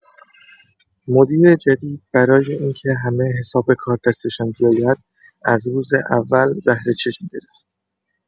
مدیر جدید برای اینکه همه حساب کار دستشان بیاید، از روز اول زهر چشم گرفت.